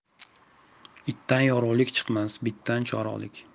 itdan yorug'lik chiqmas bitdan chorig'lik